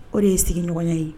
O de ye sigiɲɔgɔn ye